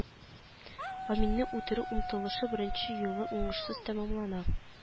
Аминне үтерү омтылышы беренче юлы уңышсыз тәмамлана